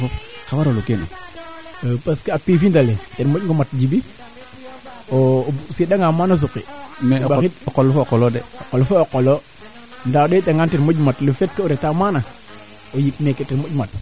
o kiina jeg o morceaux so laŋ ke a tapatoxale de mbarna topat wa den laŋ ke ngaande soo koy de ngaaj ra den jeg kiro mayu ndaa a rend anga ye wiin we fop kaa yoono yo koy ga'a a nduq ange nduq kaana sax